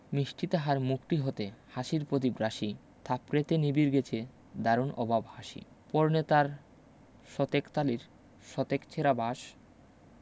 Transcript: মিষ্টি তাহার মুখটি হতে হাসির পদীপ রাশি থাপড়েতে নিবিয়ে দেছে দারুণ অভাব হাসি পরনে তার শতেক তালির শতেক ছেঁড়া বাস